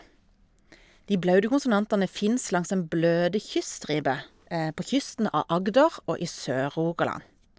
De blaute konsonantene fins langs den bløte kyststripe, på kysten av Agder og i Sør-Rogaland.